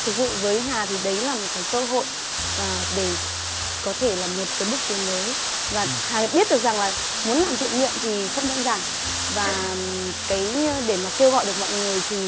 thực sự với hà thì đấy là một cái cơ hội à để có thể là một cái bước tiến mới và hà biết được rằng là muốn làm thiện nguyện thì không đơn giản và cái để mà kêu gọi được mọi người thì